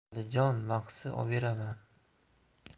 valijon maxsi oberaman